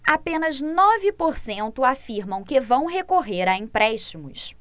apenas nove por cento afirmam que vão recorrer a empréstimos